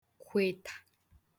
kwetā